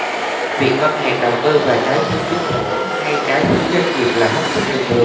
việc ngân hàng đầu tư vào trái phiếu chính phủ hay trái phiếu doanh nghiệp là hết sức bình thường